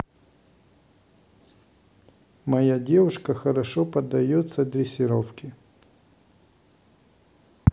моя девушка хорошо поддается дрессировки